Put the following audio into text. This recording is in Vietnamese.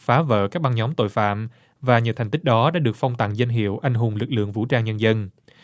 phá vỡ các băng nhóm tội phạm và nhiều thành tích đó đã được phong tặng danh hiệu anh hùng lực lượng vũ trang nhân dân